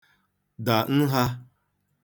dà nhā